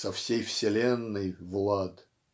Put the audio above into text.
со всей вселенной в лад".